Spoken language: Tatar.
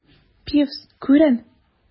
Пивз, күрен!